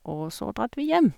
Og så dratt vi hjem.